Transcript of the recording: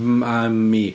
MAMI